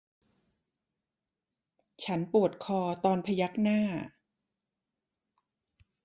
ฉันปวดคอตอนพยักหน้า